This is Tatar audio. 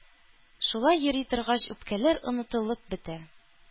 Шулай йөри торгач үпкәләр онытылып бетә.